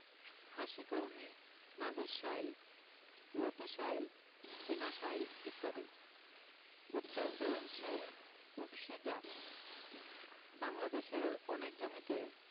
হাসিকলমি নাজির শাইল লতিশাইল বিনাশাইল ইত্যাদি উচ্চফলনশীল উফশী জাতঃ বাংলাদেশের অনেক জমিতে